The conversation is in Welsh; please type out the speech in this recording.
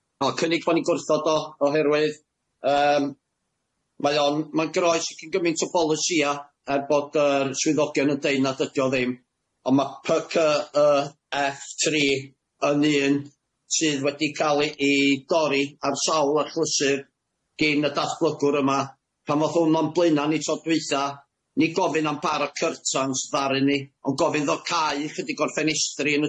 O cynnig bo' ni'n gwrthod o oherwydd yym mae o'n mae'n groes i gymint o bolisïa' er bod yr swyddogion yn deud nad ydi o ddim on' ma' py cy y eff tri yn un sydd wedi ca'l i dorri ar sawl achlysur gin y datblygwr yma pan ddoth hwn o'n blaena' ni tro dwytha ni gofyn am par o cyrtans ddaru ni ond gofyn ddo' cau ychydig o'r ffenestri yn y top